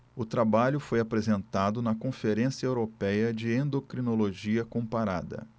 o trabalho foi apresentado na conferência européia de endocrinologia comparada